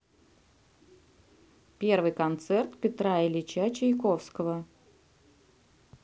первый концерт петра ильича чайковского